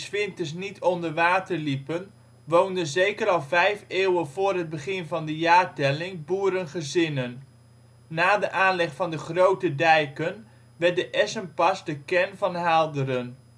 winters niet onder water liepen, woonden zeker al 5 eeuwen voor het begin van de jaartelling boerengezinnen. Na de aanleg van de grote dijken werd de Essenpas de kern van Haalderen